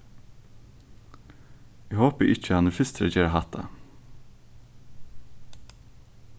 eg hopi ikki at hann er fyrstur at gera hatta